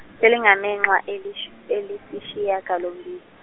seligamenxe elish- elisishagalombili.